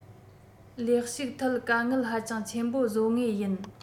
ལས ཞུགས ཐད དཀའ ངལ ཧ ཅང ཆེན པོ བཟོ ངེས ཡིན